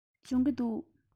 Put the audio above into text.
སྦྱོང གི འདུག